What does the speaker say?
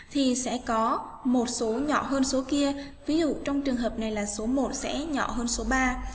thì sẽ có một số nhỏ hơn số kia ví dụ trong trường hợp này là số sẽ nhỏ hơn số